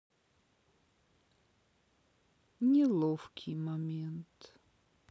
неловкий момент